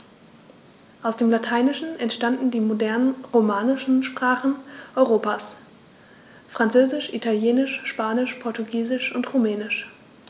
Aus dem Lateinischen entstanden die modernen „romanischen“ Sprachen Europas: Französisch, Italienisch, Spanisch, Portugiesisch und Rumänisch.